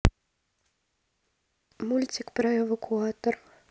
мультик про эвакуатор